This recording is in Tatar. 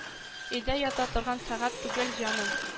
Өйдә ята торган сәгать түгел, җаным